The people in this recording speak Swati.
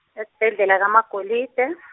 esibhedlela kaMagolide .